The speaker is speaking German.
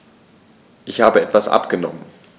Ich habe etwas abgenommen.